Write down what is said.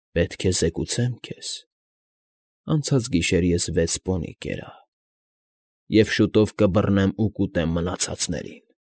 Պետք է զեկուցեմ քեզ, անցած գիշեր ես վեց պոնի կերա և շուտով կբռնեմ ու կուտեմ մնացածներին։